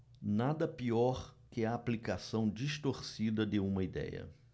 nada pior que a aplicação distorcida de uma idéia